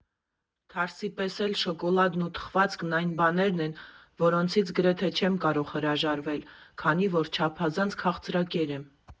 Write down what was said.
Թարսի պես էլ շոկոլադն ու թխվածքն այն բաներն են, որոնցից գրեթե չեմ կարող հրաժարվել, քանի որ չափազանց քաղցրակեր եմ։